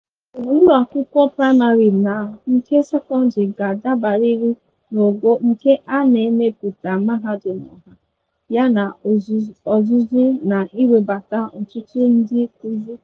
Owuwu ụlọakwụkwọ praịmarị na nke sekọndrị ga-adabarịrị n'ogo nke a na-emepụta mahadum ọha, yana ọzụzụ na iwebata ọtụtụ ndị nkụzi.